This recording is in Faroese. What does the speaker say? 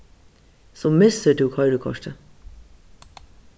so missir tú koyrikortið